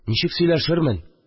Ничек сөйләшермен